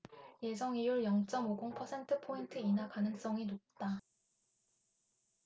예정이율 영 쩜 오 공 퍼센트포인트 인하 가능성이 높다